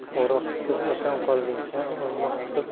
o'roq tutib otang qolguncha